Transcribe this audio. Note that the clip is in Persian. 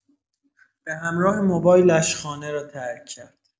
به همراه موبایلش خانه را ترک کرد.